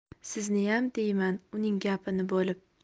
sizniyam deyman uning gapini bo'lib